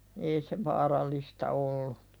ei se vaarallista ollut